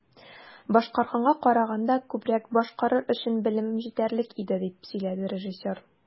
"башкарганга караганда күбрәк башкарыр өчен белемем җитәрлек иде", - дип сөйләде режиссер.